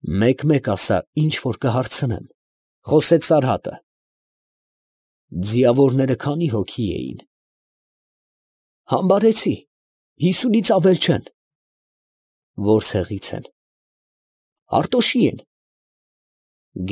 Մեկ֊մեկ ասա՛, ինչ որ կհարցնեմ, ֊ խոսեց Սարհատը։ ֊ Ձիավորները քանի՞ հոգի էին։ ֊ Համբարեցի, հիսունից ավել չեն։ ֊ Ո՞ր ցեղից են։ ֊ Հարտոշի են։ ֊